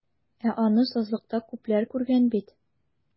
Ә аны сазлыкта күпләр күргән бит.